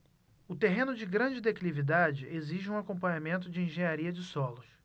o terreno de grande declividade exige um acompanhamento de engenharia de solos